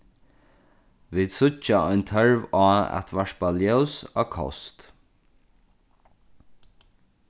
vit síggja ein tørv á at varpa ljós á kost